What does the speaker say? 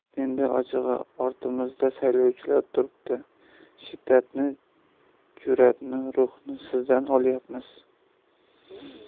endi ochig'i ortimizda saylovchilar turibdi shiddatni jur'atni ruhni sizdan olyapmiz